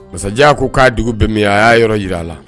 Masajan ko ka dugu bɛ min? a ya yɔrɔ yira a la.